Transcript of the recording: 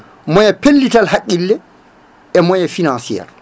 moyen pellital haqqille e moyen financiére